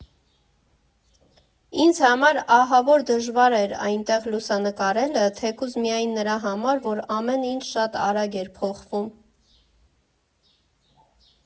Ինձ համար ահավոր դժվար էր այնտեղ լուսանկարելը, թեկուզ միայն նրա համար, որ ամեն ինչ շատ արագ էր փոխվում։